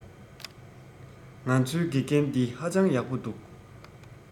ང ཚོའི དགེ རྒན འདི ཧ ཅང ཡག པོ འདུག